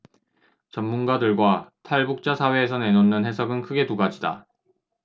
전문가들과 탈북자 사회에서 내놓는 해석은 크게 두 가지다